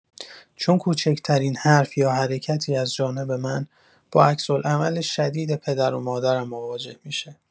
چون کوچکترین حرف یا حرکتی از جانب من، با عکس‌العمل شدید پدر و مادرم مواجه می‌شه.